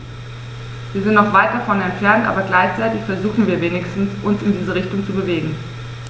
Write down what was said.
Wir sind noch weit davon entfernt, aber gleichzeitig versuchen wir wenigstens, uns in diese Richtung zu bewegen.